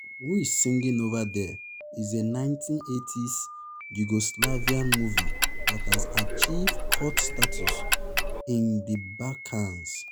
Who's Singin’ Over There? is a 1980s Yugoslavian movie that has achieved cult status in the Balkans.